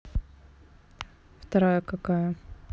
вторая какая